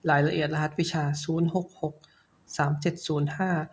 รายละเอียดรหัสวิชาศูนย์หกหกสามเจ็ดศูนย์ห้า